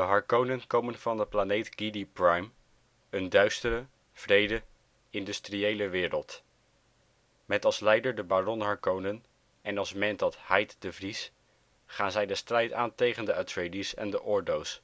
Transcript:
Harkonnen komen van de planeet Giedi Prime, een duistere, wrede, industriële wereld. Met als leider de Baron Harkonnen en als Mentat Hayt DeVries gaan zij de strijd aan tegen de Atreides en de Ordos.